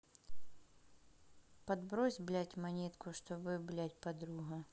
подбрось блять монетку чтобы блять подруга